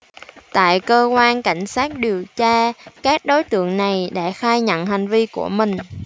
tại cơ quan cảnh sát điều tra các đối tượng này đã khai nhận hành vi của mình